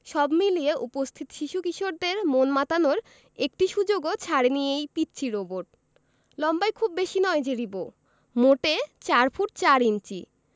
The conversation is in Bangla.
সব মিলিয়ে উপস্থিত শিশু কিশোরদের মন মাতানোর একটি সুযোগও ছাড়েনি এই পিচ্চি রোবট লম্বায় খুব বেশি নয় যে রিবো মোটে ৪ ফুট ৪ ইঞ্চি